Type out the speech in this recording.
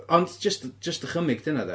Ond jyst jyst dychymyg 'di hynna de.